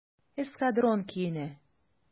"эскадрон" көенә.